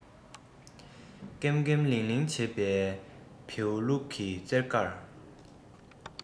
ཀེམ ཀེམ ལིང ལིང བྱེད པའི བེའུ ལུག གི རྩེད གར